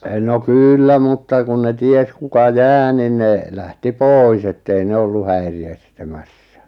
no kyllä mutta kun ne tiesi kuka jää niin ne lähti pois että ei ne ollut - estämässä